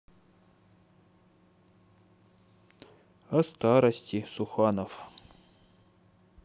о старости суханов